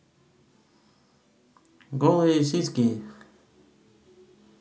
голые сиськи